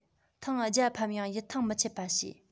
ཐེངས བརྒྱ ཕམ ཡང ཡིད ཐང མི འཆད པ བྱས